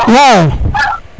waaw